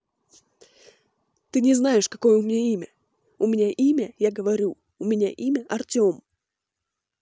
ты не знаешь какое у меня имя я тебе говорю у меня имя артем